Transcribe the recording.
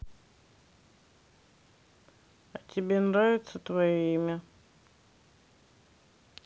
а тебе нравится твое имя